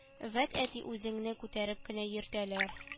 Вәт әти үзеңне күтәреп кенә йөртәләр